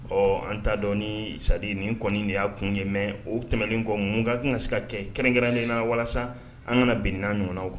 Ɔɔ an t'a dɔn nii c'est à dire nin kɔni de y'a kun ye mais o tɛmɛnen kɔ mun ka kan ka se ka kɛ kɛrɛnkɛrɛnnen ya la walasa an kana bin nin n'a ɲɔgɔn naw kan